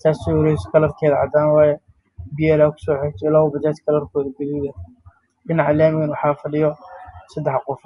tanu soo geedi cadaan waayo dhinaca laamigana waxaa fadhiya saddex qof